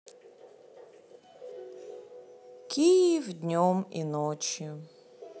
киев днем и ночью